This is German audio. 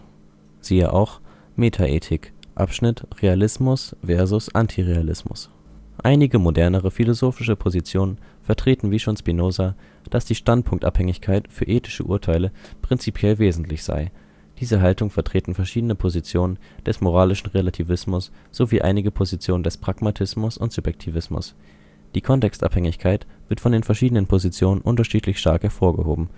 Siehe auch: Metaethik#Realismus versus Antirealismus Einige modernere philosophische Positionen vertreten wie schon Spinoza, dass die Standpunktabhängigkeit für ethische Urteile prinzipiell wesentlich sei. Diese Haltung vertreten verschiedene Positionen des moralischen Relativismus sowie einige Positionen des Pragmatismus und Subjektivismus. Die Kontextabhängigkeit wird von den verschiedenen Positionen unterschiedlich stark hervorgehoben